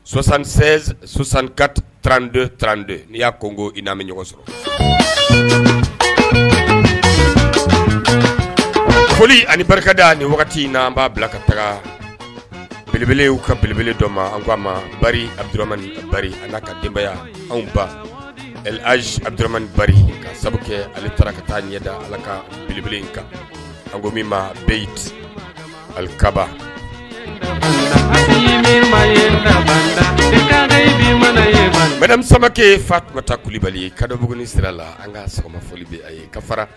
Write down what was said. Sansanka tranto trante n'i y'a ko ko i n'a bɛ ɲɔgɔn sɔrɔ foli ani barikada a ni wagati n' an b'a bila ka taga belebele ka belebele dɔ ma a ma ama an ka ka denbaya anw ba adumani ka sabu kɛ ale taara ka taa ɲɛda ala ka belebele kan anko bɛɛyi ali kababakɛ fa tun ka tabali kaugunuguni sira la an ka sɔgɔma ka fara